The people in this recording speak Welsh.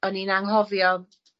o'n i'n anghofio